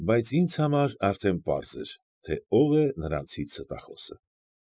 Բայց ինձ համար արդեն պարզ էր, թե որն է նրանցից ստախոսը։